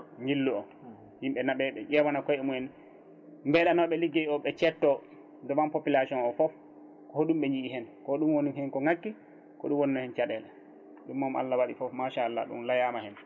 jillu o yimɓe naaɓe ɓe ƴewana koyemumen ɓeɗanoɓe ligguey o ɓe cetto devant population o poop ko hoɗum ɓe jii hen ko hoɗum woni hen ko ngakki hoɗum wonno hen caɗele ɗum moom Allah waɗi foof machallah ɗum layama hen